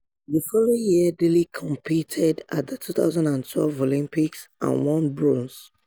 The following year Daley competed at the 2012 Olympics and won bronze.